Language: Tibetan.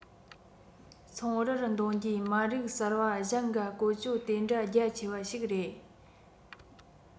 ཚོང རར འདོན རྒྱུའི སྨན རིགས གསར པ གཞན འགའ བཀོལ སྤྱོད དེ འདྲ རྒྱ ཆེ བ ཞིག རེད